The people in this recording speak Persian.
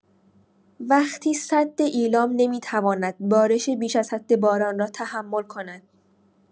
وقتی سد ایلام نمی‌تواند بارش بیش از حد باران را تحمل کند.